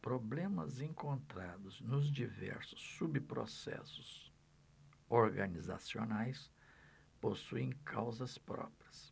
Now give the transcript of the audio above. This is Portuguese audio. problemas encontrados nos diversos subprocessos organizacionais possuem causas próprias